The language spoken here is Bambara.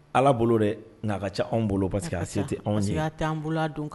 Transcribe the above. Ala bolo dɛ nka ka ca anw bolo parce que a se tɛ an taa an bolo don